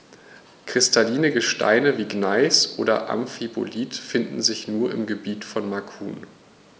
Kristalline Gesteine wie Gneis oder Amphibolit finden sich nur im Gebiet von Macun.